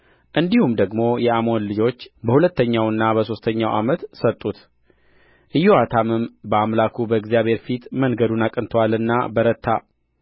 እንዲሁም ደግሞ የአሞን ልጆች በሁለተኛውና በሦስተኛው ዓመት ሰጡት ኢዮአታምም በአምላኩ በእግዚአብሔር ፊት መንገዱን አቅንቶአልና በረታ